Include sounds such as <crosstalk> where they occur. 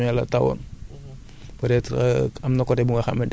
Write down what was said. peut être <hesitation> ba ñu tollee daaw ci heure bii parce que daaw